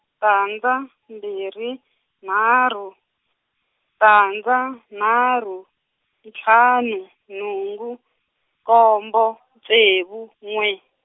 tandza mbirhi nharhu, tandza nharhu, ntlhanu nhungu, nkombo ntsevu n'we.